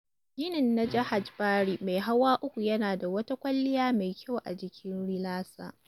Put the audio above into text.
Ginin na "Jahaj Bari" mai hawa uku, yana da wata kwalliya mai kyau a jikin relarsa.